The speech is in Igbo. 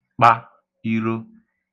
kpa iro